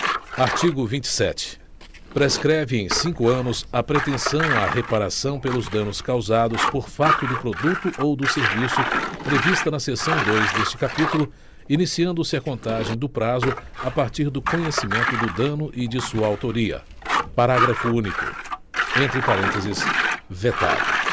artigo vinte sete prescreve em cinco anos a pretensão à reparação pelos danos causados por fato do produto ou do serviço prevista na seção dois deste capítulo iniciando se a contagem do prazo a partir do conhecimento do dano e de sua autoria parágrafo único entre parenteses vetado